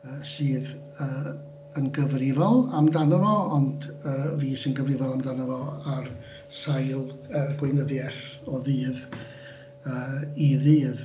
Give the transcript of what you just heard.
Yy sydd yy yn gyfrifol amdano fo, ond yy fi sy'n gyfrifol amdano fo ar sail y gweinyddiaeth o ddydd i ddydd.